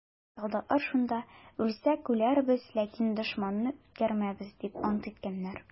Солдатлар шунда: «Үлсәк үләрбез, ләкин дошманны үткәрмәбез!» - дип ант иткәннәр.